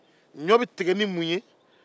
ɲɔ bɛ tigɛ ni mun ye